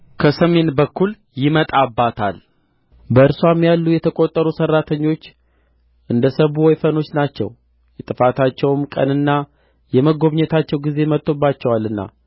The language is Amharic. ከሰሜን በኩል ይመጣባታል በእርስዋም ያሉ የተቀጠሩ ሠራተኞች እንደ ሰቡ ወይፈኖች ናቸው የጥፋታቸው ቀንና የመጐብኘታቸው ጊዜ መጥቶባቸዋልና